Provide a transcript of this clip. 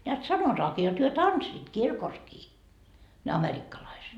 näet sanotaankin jotta he tanssivat kirkossakin ne amerikkalaiset